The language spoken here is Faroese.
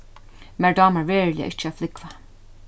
mær dámar veruliga ikki at flúgva